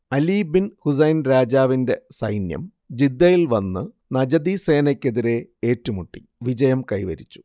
Ali bin Hussein രാജാവിന്റെ സൈന്യം ജിദ്ദയിൽ വന്നു നജദി സേനക്കെതിരെ ഏറ്റു മുട്ടി വിജയം കൈവരിച്ചു